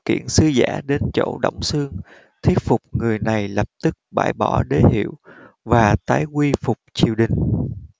khiển sứ giả đến chỗ đổng xương thuyết phục người này lập tức bãi bỏ đế hiệu và tái quy phục triều đình